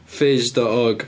Fizz.org.